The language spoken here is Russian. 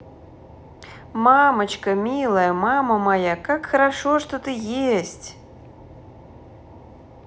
мамочка милая мама моя как хорошо что ты есть